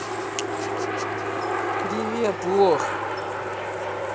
привет лох